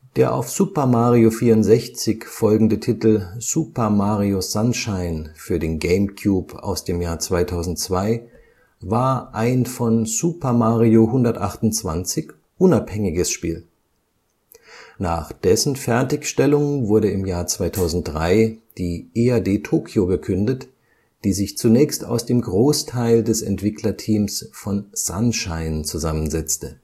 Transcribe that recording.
Der auf Super Mario 64 folgende Titel Super Mario Sunshine (GameCube, 2002) war ein von Super Mario 128 unabhängiges Spiel. Nach dessen Fertigstellung wurde 2003 die EAD Tokyo gegründet, die sich zunächst aus dem Großteil des Entwicklerteams von Sunshine zusammensetzte